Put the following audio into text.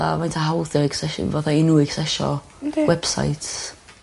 'tha faint o hawdd fatha i unrywun sy esio... Yndi. ...websites.